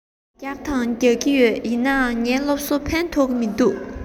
རྒྱག དང རྒྱག གི ཡོད ཡིན ནའི ངའི སློབ གསོས ཕན ཐོགས ཀྱི མི འདུག